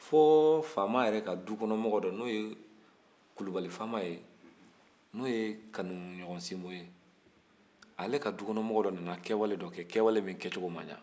fɔ faama yɛrɛ ka dukɔnɔ mɔgɔ dɔ n'o ye kulubali faama ye n'o ye kanuɲɔgɔn sinbo ye ale ka dukɔnɔ mɔgɔ dɔ nana kɛwale dɔ kɛ kɛwale min kɛcogo ma ɲa